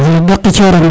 wala de qicoran